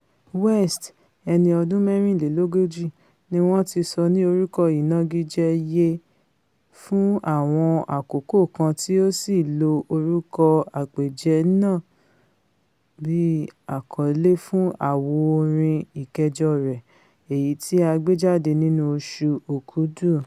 West, ẹni ọdún mẹ́rinlélógójì, ni wọ́n ti sọ ní orúkọ ìnagijẹ Ye fún àwọn àkókò kan tí ó sì lo orúkọ àpèjẹ́ náà bíi àkọlé fún àwo orin ìkẹjọ rẹ̀, èyití ó gbéjáde nínú oṣù Òkúdu.